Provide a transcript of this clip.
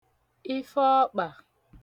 ife ọkpà